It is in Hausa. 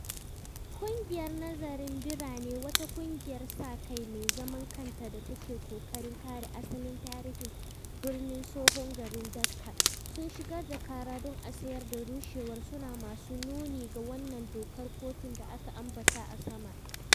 ƙungiyar Nazarin Birane, wata ƙungiyar sa-kai mai zaman kanta da take ƙoƙarin kare asalin tarihin birnin Tsohon garin Dhaka, sun shigar da ƙara don a tsayar da rushewar, suna masu nuni ga wannan dokar kotun da aka ambata a sama.